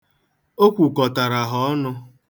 O kwukọtara ha ọnụ.